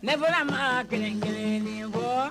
Ne fana ma kelen kelen ni fɔ.